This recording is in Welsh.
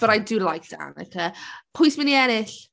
But I do like Danica. Pwy sy'n mynd i ennill?